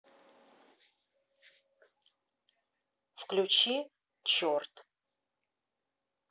включи черт